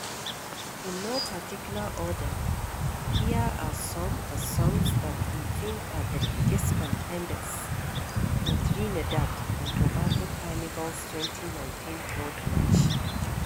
In no particular order, here are some the songs that we think are the biggest contenders for Trinidad and Tobago Carnival's 2019 Road March...